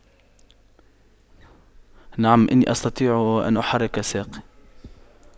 نعم إني أستطيع ان أحرك ساقي